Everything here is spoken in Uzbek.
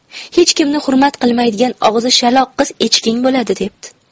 hech kimni hurmat qilmaydigan og'zi shaloq qiz echking bo'ladi debdi